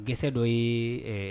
Gese dɔ ye